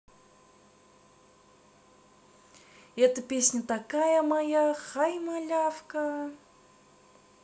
это песня такая моя хай малявка